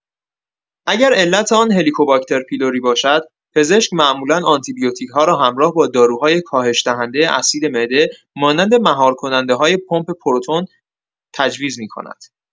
اگر علت آن هلیکوباکتر پیلوری باشد، پزشک معمولا آنتی‌بیوتیک‌ها را همراه با داروهای کاهش‌دهنده اسید معده مانند مهارکننده‌های پمپ پروتون تجویز می‌کند.